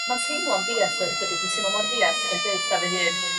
ma'n teimlo'n ddieithyr dydi dwi teimlo mor ddiarth yn deu 'tha fy hun